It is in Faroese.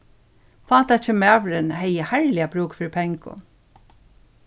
fátæki maðurin hevði harðliga brúk fyri pengum